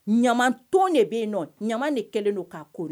Ɲamaton de bɛ yen nɔ ɲama de kɛlen don k'a koori